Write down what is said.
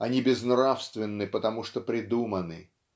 они безнравственны потому, что придуманы.